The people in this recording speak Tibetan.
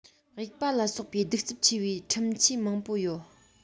དབྱུག པ ལ སོགས པའི གདུག རྩུབ ཆེ བའི ཁྲིམས ཆས མང པོ ཡོད